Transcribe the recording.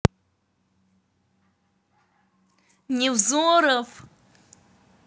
невзоров